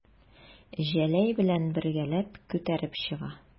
Җәләй белән бергәләп күтәреп чыга.